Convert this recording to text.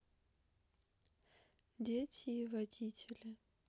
дети и водители